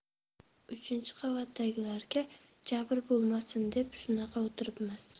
uchinchi qavatdagilarga jabr bo'lmasin deb shunaqa o'tiribmiz